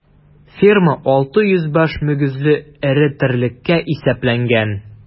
Ферма 600 баш мөгезле эре терлеккә исәпләнгән.